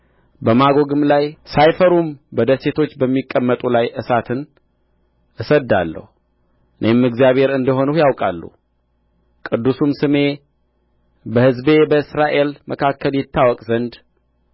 በማጎግም ላይ ሳይፈሩም በደሴቶች በሚቀመጡ ላይ እሳትን እሰድዳለሁ እኔም እግዚአብሔር እንደ ሆንሁ ያውቃሉ ቅዱሱም ስሜ በሕዝቤ በእስራኤል መካከል ይታወቅ ዘንድ